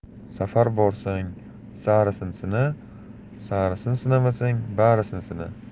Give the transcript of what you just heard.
safar borsang sarisin sina sarisin sinamasang barisin sina